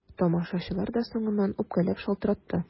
Тамашачылар да соңыннан үпкәләп шалтыратты.